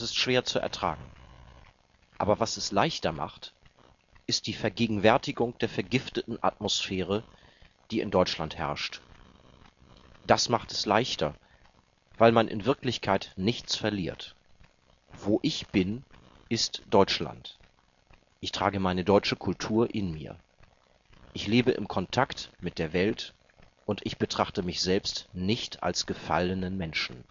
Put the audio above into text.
schwer zu ertragen. Aber was es leichter macht, ist die Vergegenwärtigung der vergifteten Atmosphäre, die in Deutschland herrscht. Das macht es leichter, weil man in Wirklichkeit nichts verliert. Wo ich bin, ist Deutschland. Ich trage meine deutsche Kultur in mir. Ich lebe im Kontakt mit der Welt und ich betrachte mich selbst nicht als gefallenen Menschen